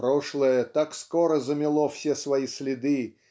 Прошлое так скоро замело все свои следы